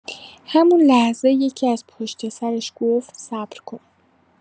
همون لحظه یکی‌از پشت سرش گفت: صبر کن!